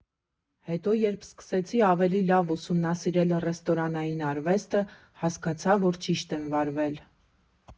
Հետո երբ սկսեցի ավելի լավ ուսումնասիրել ռեստորանային արվեստը, հասկացա, որ ճիշտ եմ վարվել»։